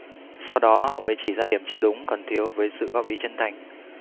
sau đó họ mới chỉ ra điểm chưa đúng còn thiếu với sự góp ý chân thành